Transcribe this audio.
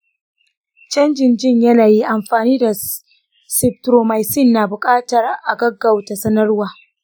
canjin ji yayin amfani da streptomycin na buƙatar a gaggauta sanarwa.